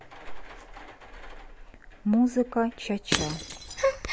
музыка ча ча